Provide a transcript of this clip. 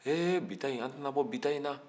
he bi ta in an tɛna bɔ bi ta in la